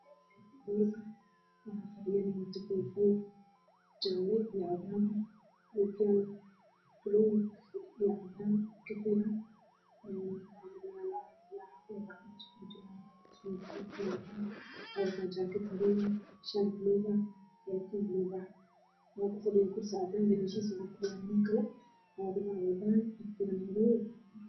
Waa hool waxaa iskugu imaaday niman badan wataa suudad buluug ah